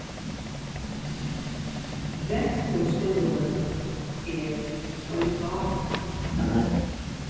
rentustuðulin er ein gáva